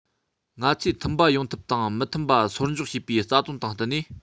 ང ཚོས མཐུན པ ཡོང ཐབས དང མི མཐུན པ སོར འཇོག བྱེད པའི རྩ དོན དང བསྟུན ནས